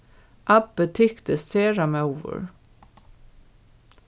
abbi tyktist sera móður